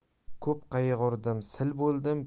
ko'p qayg'urdim sil boidim